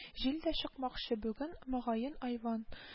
Җил дә чыкмакчы, бүген, мөгаен, айван